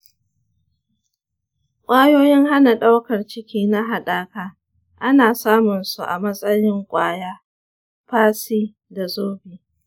ƙwayoyin hana ɗaukar ciki na haɗaka ana samun su a matsayin ƙwaya, faci da zobe.